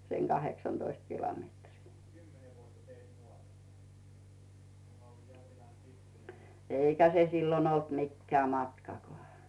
sen kahdeksantoista kilometriä eikä se silloin ollut mikään matkakaan